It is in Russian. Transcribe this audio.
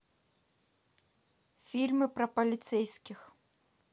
фильмы про полицейских